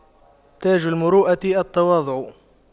تاج المروءة التواضع